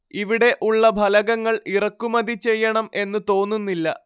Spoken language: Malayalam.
ഇവിടെ ഉള്ള ഫലകങ്ങൾ ഇറക്കുമതി ചെയ്യണം എന്ന് തോന്നുന്നില്ല